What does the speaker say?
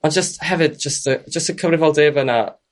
ond jyst hefyd jyst, jyst y cyfrifoldebe 'na